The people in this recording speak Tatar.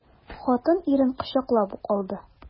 Хатын ирен кочаклап ук алды.